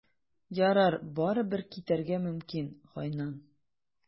Ярар, барыбер, китәргә мөмкин, Гайнан.